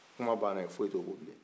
kuma bana yen fosi tɛ o kɔ bilen